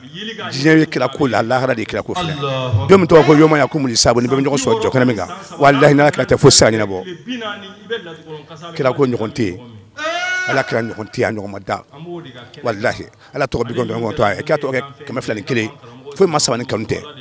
Jinɛko la lahara kirako bɛ tɔgɔ koma sa bɛ ɲɔgɔn sɔrɔ jɔ min kan layiina tɛ fo sabɔ kirako ɲɔgɔn tɛ ala kira ɲɔgɔn tɛ ɲɔgɔnma da ala ɲɔgɔntɔ tɔgɔ kɛmɛ kelen foyi ma saba ni kanu tɛ